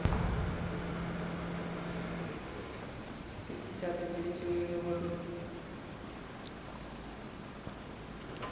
пятьдесят удивительных животных